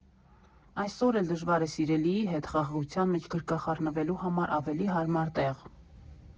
Այսօր էլ դժվար է սիրելիի հետ խաղաղության մեջ գրկախառնվելու համար ավելի հարմար տեղ։